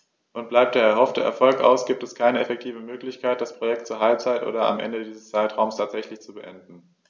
Und bleibt der erhoffte Erfolg aus, gibt es keine effektive Möglichkeit, das Projekt zur Halbzeit oder am Ende dieses Zeitraums tatsächlich zu beenden.